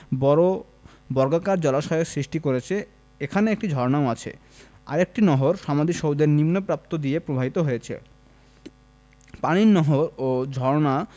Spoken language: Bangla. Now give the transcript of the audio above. বড় বর্গাকার জলাশয়ের সৃষ্টি করেছে এখানে একটি ঝর্ণাও আছে আর একটি নহর সমাধিসৌধের নিম্ন প্রাপ্ত দিয়ে প্রবাহিত হয়েছে পানির নহর ও ঝর্ণা